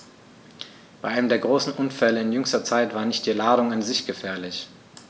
Bei einem der großen Unfälle in jüngster Zeit war nicht die Ladung an sich gefährlich.